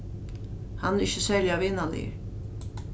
hann er ikki serliga vinarligur